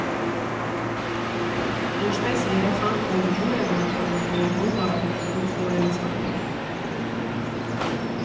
Ինչպես երեխան, ով ջուր է վաճառում, որ հող առնի ու ցորեն ցանի։